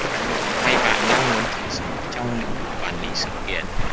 hay bạn đang muốn thử sức trong lĩnh vực quản lý sự kiện